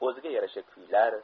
o'ziga yarasha kuylar